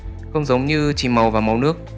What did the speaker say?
không giống như chì màu và màu nước